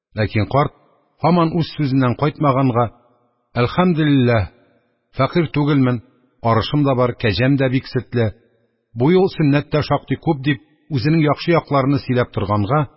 Ләкин карт һаман үз сүзеннән кайтмаганга, «әлхәмдүлиллаһ, фәкыйрь түгелмен: арышым да бар, кәҗәм дә бик сөтле, бу ел сөннәт тә шактый күп» дип, үзенең яхшы якларыны сөйләп торганга,